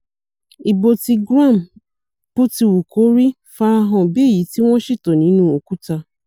Ìbò ti Graham, botiwukori, farahàn bí èyití wọ́n ṣètò nínú òkúta.